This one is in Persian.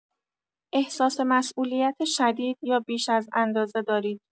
احساس مسئولیت شدید یا بیش ازاندازه دارید.